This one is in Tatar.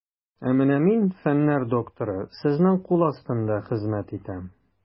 Ә менә мин, фәннәр докторы, сезнең кул астында хезмәт итәм.